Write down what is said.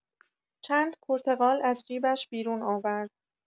چند پرتقال از جیبش بیرون آورد.